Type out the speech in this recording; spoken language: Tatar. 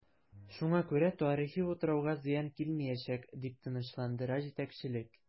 Шуңа күрә тарихи утрауга зыян килмиячәк, дип тынычландыра җитәкчелек.